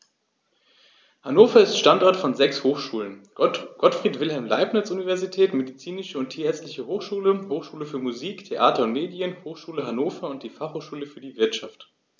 Hannover ist Standort von sechs Hochschulen: Gottfried Wilhelm Leibniz Universität, Medizinische und Tierärztliche Hochschule, Hochschule für Musik, Theater und Medien, Hochschule Hannover und die Fachhochschule für die Wirtschaft.